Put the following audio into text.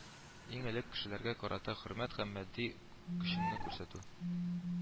Иң элек кешеләргә карата хөрмәт һәм матди көчеңне күрсәтү